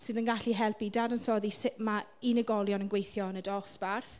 Sydd yn gallu helpu dadansoddi sut ma' unigolion yn gweithio yn y dosbarth.